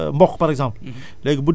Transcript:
fii mboq par exemple